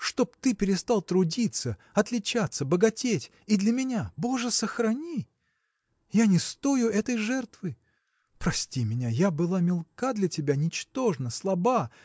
Чтоб ты перестал трудиться, отличаться, богатеть – и для меня! Боже сохрани! Я не стою этой жертвы! Прости меня я была мелка для тебя ничтожна слаба